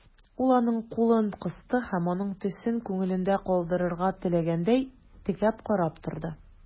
Ул аның кулын кысты һәм, аның төсен күңелендә калдырырга теләгәндәй, текәп карап торды.